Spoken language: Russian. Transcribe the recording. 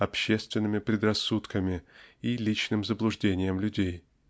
общественными предрассудками и личным заблуждением людей.